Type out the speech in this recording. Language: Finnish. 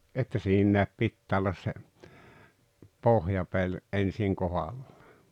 että siinä pitää olla se pohjapeli ensin kohdallaan